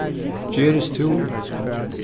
gerðistún